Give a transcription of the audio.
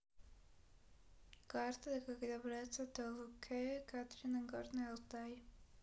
карта как добраться до lykke кадрина горный алтай